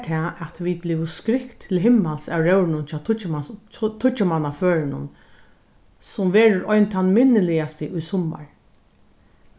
tað at vit blivu skrykt til himmals av róðrinum hjá tíggjumannaførunum sum verður ein tann minniligasti í summar